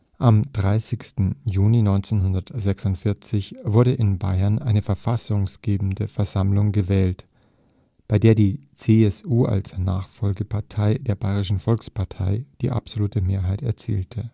Am 30. Juni 1946 wurde in Bayern eine verfassungsgebende Versammlung gewählt, bei der die CSU als Nachfolgepartei der Bayerischen Volkspartei die absolute Mehrheit erzielte